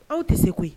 Aw tɛ se koyi